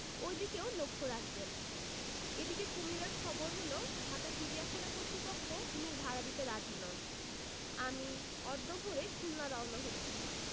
ঐ দিকেও লক্ষ রাখবেন এ দিকে কুমীরের খবর হল ঢাকা চিড়িয়াখানা কর্তৃপক্ষ কুণীর ভাড়া দিতে রাজী নন আমি অদ্য ভোরে খুলনা রওনা হচ্ছি